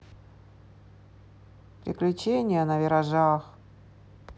приключения на виражах